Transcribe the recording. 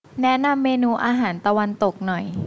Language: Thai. แนะนำเมนูอาหารตะวันตกหน่อย